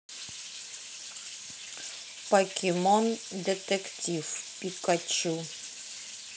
покемон детектив пикачу